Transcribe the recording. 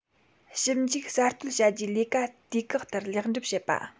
ཞིབ འཇུག གསར གཏོད བྱ རྒྱུའི ལས ཀ དུས བཀག ལྟར ལེགས འགྲུབ བྱེད པ